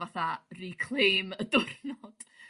...fatha reclaim y diwrnod .